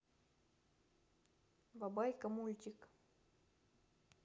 бабайка мультик